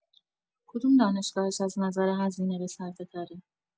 کدوم دانشگاهش از نظر هزینه بصرفه‌تره؟